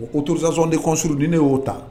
O ko turusasan de ko surudi ne y'o ta